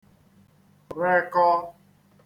rekọ